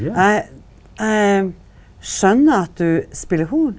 eg eg skjønner at du speler horn?